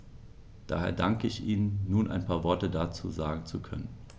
Daher danke ich Ihnen, nun ein paar Worte dazu sagen zu können.